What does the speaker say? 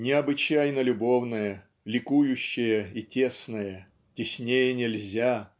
Необычайно любовное, ликующее и тесное теснее нельзя